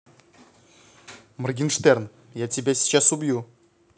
morgenshtern я тебя сейчас убью